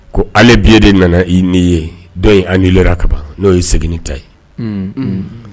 Ko ale bi de nana i n ni ye dɔ an lara kaban n'o ye seginni ta ye